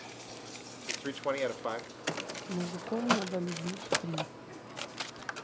мужиков надо любить клип